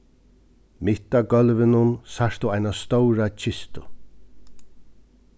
mitt á gólvinum sært tú eina stóra kistu